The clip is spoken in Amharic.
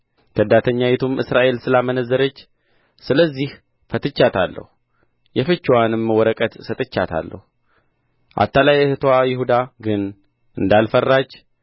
ከዳተኛይቱም እስራኤል ስላመነዘረች ስለዚህ ፈትቻታለሁ የፍችዋንም ወረቀት ሰጥቻታለሁ አታላይ እኅትዋ ይሁዳ ግን እንዳልፈራች